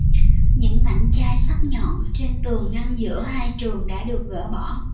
những mảnh chai sắc nhọn trên tường ngăn giữa hai trường đã được gỡ bỏ